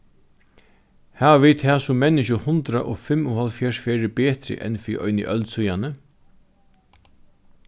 hava vit tað sum menniskju hundrað og fimmoghálvfjerðs ferðir betri enn fyri eini øld síðani